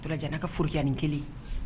A tora ka foliyaani kelen